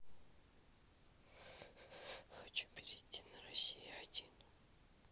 хочу перейти на россия один